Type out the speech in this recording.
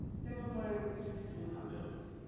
Dim y boi disgusting yna oedd efo fo?